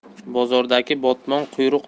bozordagi botmon quyruq